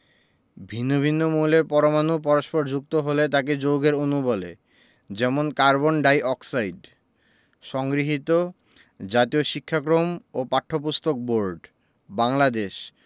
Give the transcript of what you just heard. ভিন্ন ভিন্ন মৌলের পরমাণু পরস্পর যুক্ত হলে তাকে যৌগের অণু বলে যেমন কার্বন ডাই অক্সাইড সংগৃহীত জাতীয় শিক্ষাক্রম ও পাঠ্যপুস্তক বোর্ড বাংলাদেশ